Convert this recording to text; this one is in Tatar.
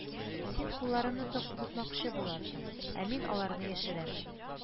Син кулларымны тотмакчы буласың, ә мин аларны яшерәм,